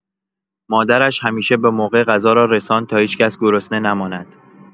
مادرش همیشه به‌موقع غذا را رساند تا هیچ‌کس گرسنه نماند.